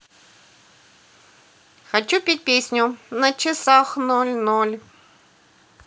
хочу петь песню на часах ноль ноль